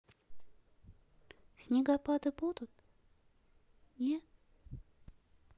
снегопады будут нет